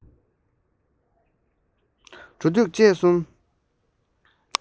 འགྲོ འདུག སྤྱོད གསུམ